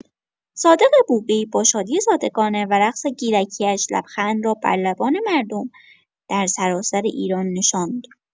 صادق بوقی با شادی صادقانه و رقص گیلکی‌اش، لبخند را بر لبان مردم در سراسر ایران نشاند.